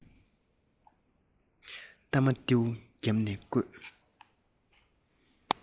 སྟ མ སྟེའུ བརྒྱབ ནས བརྐོས